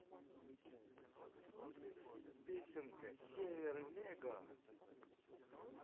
песенка север лего